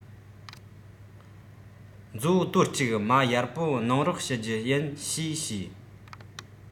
མཛོ དོར གཅིག གཡར པོ གནང རོགས ཞུ རྒྱུ ཡིན ཞེས ཞུས